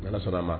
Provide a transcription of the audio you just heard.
Ala sɔrɔla a ma